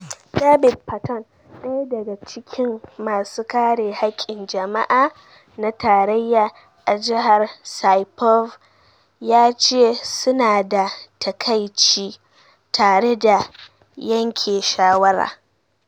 David Patton, daya daga cikin masu kare hakkin jama'a na tarayya a jihar Saipov, ya ce su na da "takaici" tare da yanke shawara.